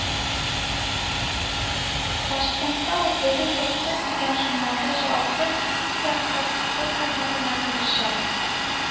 Ташкентта ул “Белем йорты” дигән журналда җаваплы сәркатиплек хезмәтенә керешә